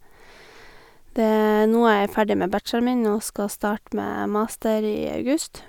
det er Nå er jeg ferdig med bacheloren min og skal starte med master i august.